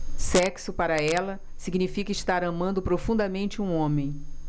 sexo para ela significa estar amando profundamente um homem